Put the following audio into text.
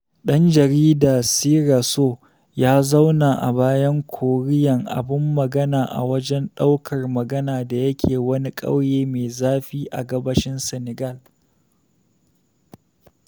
Ɗan jarida Sira Sow na zaune a bayan koren abun magana a wajen daukar magana da yake wani ƙauye mai zafi a gabashin Senegal.